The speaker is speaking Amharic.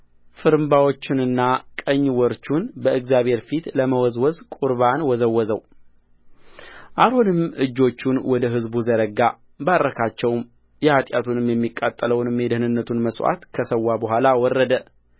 ፍርምባዎቹንና ቀኝ ወርቹን በእግዚአብሔር ፊት ለመወዝወዝ ቁርባን ወዘወዘውአሮንም እጆቹን ወደ ሕዝቡ ዘረጋ ባረካቸውም የኃጢያቱን የሚቃጠለውንም የደኅንነቱንም መሥዋዕት ከሠዋ በኋላ ወረደ